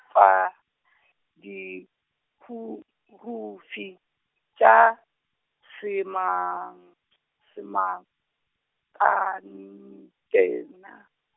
pa dikurufi tša, semang- semaka- ntena.